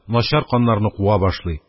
Начар каннарны куа башлый.